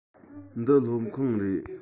འདི སློབ ཁང རེད